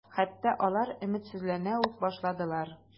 Хәтта алар өметсезләнә үк башладылар.